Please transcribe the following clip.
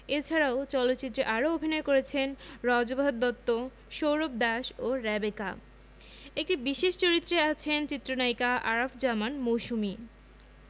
এছাড়াও চলচ্চিত্রে আরও অভিনয় করেছেন রজতাভ দত্ত সৌরভ দাস ও রেবেকা একটি বিশেষ চরিত্রে আছেন চিত্রনায়িকা আরাফ জামান মৌসুমী